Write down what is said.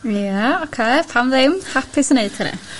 Ie oce pam ddim hapus in neud hunne